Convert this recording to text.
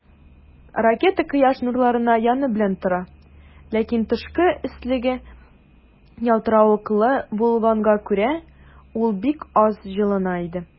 Ракета Кояш нурларына яны белән тора, ләкин тышкы өслеге ялтыравыклы булганга күрә, ул бик аз җылына иде.